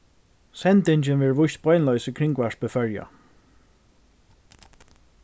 sendingin verður víst beinleiðis í kringvarpi føroya